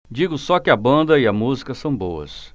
digo só que a banda e a música são boas